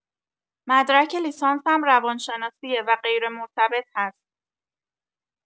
مدرک لیسانسم روانشناسیه و غیرمرتبط هست